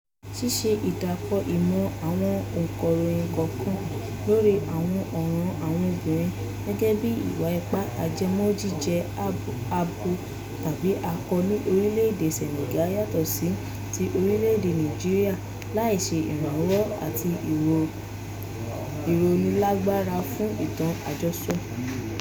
Ṣíṣe ìdàpọ̀ ìmọ̀ àwọn ọ̀ǹkọ̀ròyìn kọ̀ọ̀kan lórí àwọn ọ̀ràn àwọn obìnrin - gẹ́gẹ́ bíi ìwà ipá ajẹmọ́ jíjẹ́ abo tàbí akọ ní orílẹ̀ èdè Senegal yàtọ̀ sí ti orílẹ̀ èdè Nàìjíríà - le se ìrànwọ́ àti ìrónílágbára fún ìtàn àjọsọ.